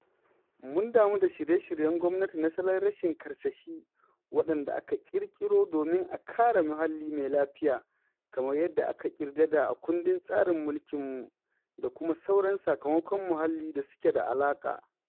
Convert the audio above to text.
Mun damu da shirye-shiryen gwamnati na salon rashin karsashi waɗanda aka ƙirƙiro domin a kare muhalli mai lafiya, kamar yadda aka kirdada a kundin tsarin mulkinmu, da kuma sauran sakamakon muhalli da suke da alaƙa.